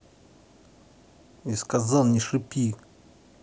я сказал не шипи